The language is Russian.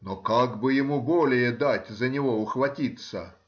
но как бы ему более дать за нее ухватиться?